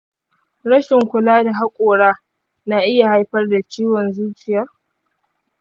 rashin kula da haƙora na iya haifar da ciwon zuciya?